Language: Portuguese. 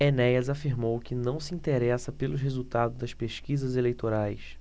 enéas afirmou que não se interessa pelos resultados das pesquisas eleitorais